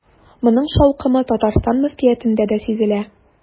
Моның шаукымы Татарстан мөфтиятендә дә сизелә.